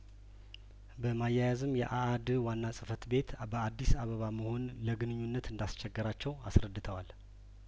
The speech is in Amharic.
በማያያዝም የአአድዋና ጽፈት ቤት በአዲስ አበባ መሆን ለግንኙነት እንዳስቸገራቸው አስረድተዋል